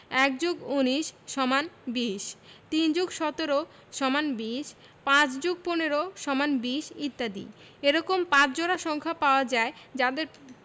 ১+১৯=২০ ৩+১৭=২০ ৫+১৫=২০ ইত্যাদি এরকম ৫ জোড়া সংখ্যা পাওয়া যায় যাদের